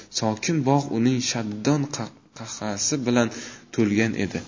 sokin bog' uning shodon qahqahasi bilan to'lgan edi